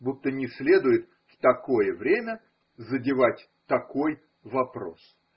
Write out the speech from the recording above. будто не следует в такое время задевать такой вопрос.